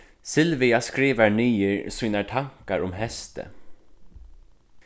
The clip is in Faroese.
sylvia skrivar niður sínar tankar um heystið